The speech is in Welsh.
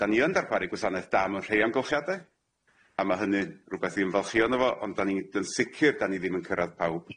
'Dan ni yn darparu gwasanaeth da mewn rhei amgylchiade a ma' hynny rwbeth i ymfalchio yno fo ond 'dan ni yn sicir 'dan ni ddim yn cyrradd pawb.